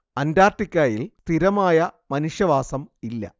അന്റാർട്ടിക്കയിൽ സ്ഥിരമായ മനുഷ്യവാസം ഇല്ല